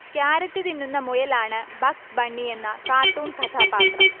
carrot തിന്നുന്ന മുയലാണ് Bugs ബണ്ണിയെന്ന കാർട്ടൂൺ കഥാപാത്രം